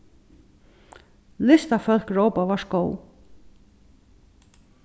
listafólk rópa varskó